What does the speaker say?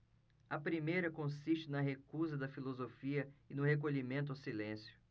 a primeira consiste na recusa da filosofia e no recolhimento ao silêncio